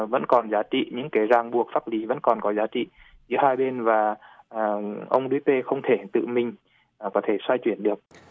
vẫn còn giá trị những cái rằng buộc pháp lí vẫn còn có giá trị giữa hai bên và ờ ông đi tét tê không thể tự mình có thể xoay chuyển được